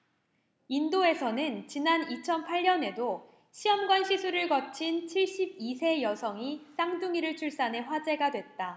인도에서는 지난 이천 팔 년에도 시험관시술을 거친 칠십 이 세 여성이 쌍둥이를 출산해 화제가 됐다